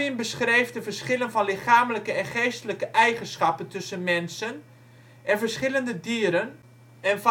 beschreef de verschillen van lichamelijke en geestelijke eigenschappen tussen mensen en verschillende dieren en